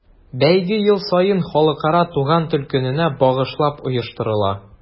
Бәйге ел саен Халыкара туган тел көненә багышлап оештырыла.